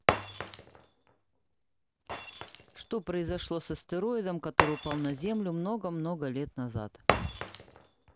что произошло с астероидом который упал на землю много много лет назад